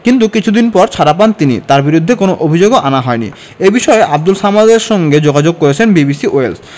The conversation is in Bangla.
কিন্তু কিছুদিন পর ছাড়া পান তিনি তাঁর বিরুদ্ধে কোনো অভিযোগও আনা হয়নি এ বিষয়ে আবদুল সামাদের সঙ্গে যোগাযোগ করেছেন বিবিসি ওয়েলস